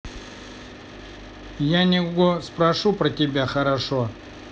я него спрошу про тебя хорошо